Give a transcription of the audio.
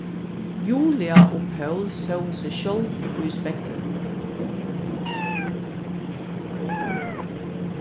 julia og pól sóu seg sjálv í speglinum